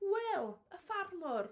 Will, y ffarmwr.